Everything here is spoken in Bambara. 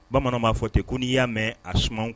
Bamananw' fɔ ten ko n'i y'a mɛn a sumaman